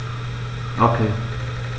Okay.